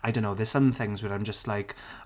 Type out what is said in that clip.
I don't know there's some things where I'm just like